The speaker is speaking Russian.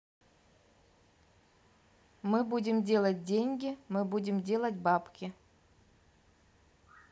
мы будем делать деньги мы будем делать бабки